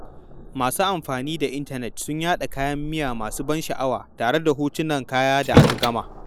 Masu amfani da intanet sun yaɗa kayan miya masu ban sha'awa tare da hotunan kayan da aka gama.